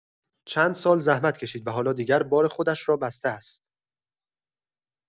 چند سال زحمت کشید و حالا دیگر بار خودش را بسته است.